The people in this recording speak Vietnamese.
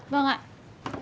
vâng ạ